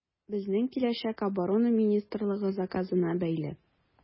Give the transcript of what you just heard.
Безнең киләчәк Оборона министрлыгы заказына бәйле.